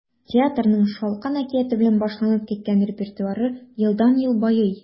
Театрның “Шалкан” әкияте белән башланып киткән репертуары елдан-ел байый.